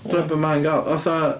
Dyna beth mae'n gael fatha...